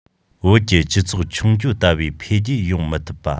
བོད ཀྱི སྤྱི ཚོགས མཆོང སྐྱོད ལྟ བུའི འཕེལ རྒྱས ཡོང མི ཐུབ པ